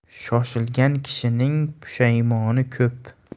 shoshilgan kishining pushaymoni ko'p